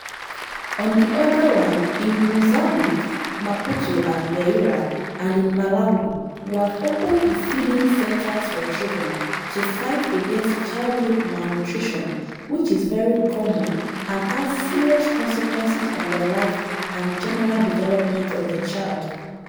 On the other hand, in Mozambique (Maputo and Beira) and in Malawi we have opened feeding centres for children to fight against childhood malnutrition, which is very common and has serous consequences on the life and general development of the child.